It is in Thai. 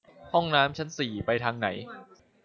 ห้องน้ำชั้นสี่ไปทางไหน